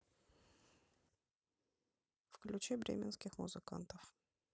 включи бременских музыкантов